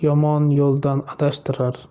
yomon yo'ldan adashtirar